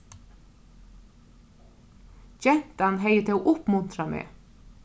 gentan hevði tó uppmuntrað meg